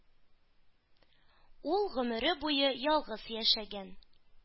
Ул гомере буе ялгыз яшәгән.